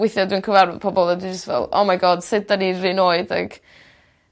weithie dwi'n cyfarf- pobol a dwi jyst fel oh my God sud 'dan ni'r un oed ag